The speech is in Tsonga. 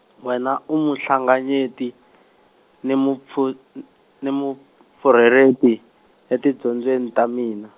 wena umuhlanganyeti, ni mupfhu- ni mupfurheteri, etidyondzweni ta mina.